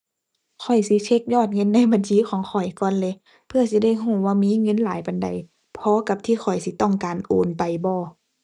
ข้อยสิเช็กยอดเงินในบัญชีของข้อยก่อนเลย เพื่อสิได้รู้ว่ามีเงินหลายปานใด พอกับที่ข้อยสิต้องการโอนไปบ่